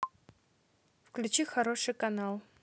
включи хороший канал